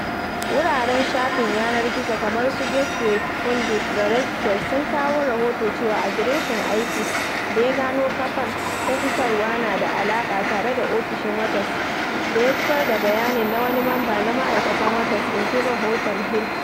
Wuraren shafin yanar gizo kamar su Gateway Pundit da RedState sun kawo rahoto cewa adireshin IP da ya gano kafar ta fitarwa na da alaƙa tare da ofishin Waters" da ya fitar da bayanin na wani mamba na ma'aikatan Waters, inji rahoton Hill.